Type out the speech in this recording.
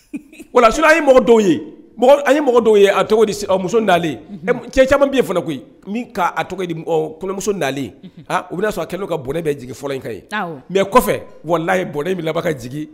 lnhin, voila sinon an ye mɔgɔ dɔw ye, a tɔgɔ ye di, musol nalen ,cɛ caaman bɛ yen fana koyi, min ka , a tɔgɔ ye di, kɔɲɔmuso nalen, anhan, unhun, i bɛna sɔrɔ a kɛlen bɛ ka bɔnɛ bɛ jigi fɔlɔ in ka; awɔ, mais kɔfɛ wallahi bɔnɛ bɛ laban ka jigi